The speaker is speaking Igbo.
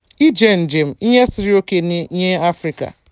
Ije njem: Ihe siri oke ike nye ndị Afrịka